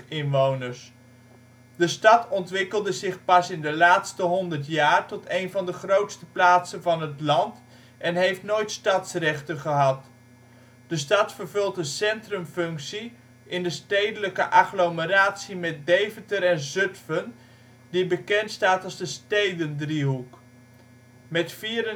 inwoners. De stad ontwikkelde zich pas in de laatste honderd jaar tot een van de grootste plaatsen van het land en heeft nooit stadsrechten gehad. De stad vervult een centrumfunctie in de stedelijke agglomeratie met Deventer en Zutphen die bekend staat als de Stedendriehoek. Met 94.117